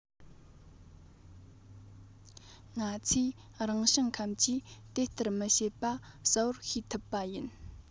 ང ཚོས རང བྱུང ཁམས ཀྱིས དེ ལྟར མི བྱེད པ གསལ པོར ཤེས ཐུབ པ ཡིན